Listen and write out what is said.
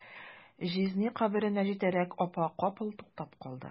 Җизни каберенә җитәрәк, апа капыл туктап калды.